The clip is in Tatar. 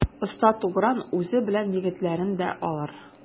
Оста Тугран үзе белән егетләрен дә алыр.